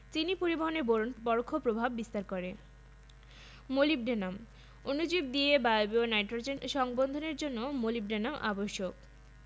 chlorine সুপারবিট এর মূল এবং কাণ্ডের বৃদ্ধির জন্য ক্লোরিন প্রয়োজন